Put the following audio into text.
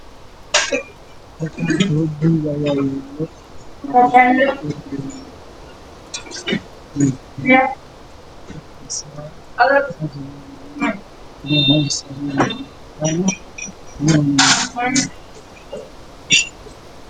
Meesha maxaa yeelan labo abood oo ah kaba dumar oo midabkooda uu yahay berbera meesha ay saaran yihiinna wacdaan